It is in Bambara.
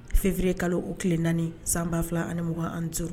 Fevrier kalo o tile 4 san 2025